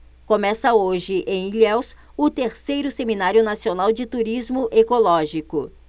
começa hoje em ilhéus o terceiro seminário nacional de turismo ecológico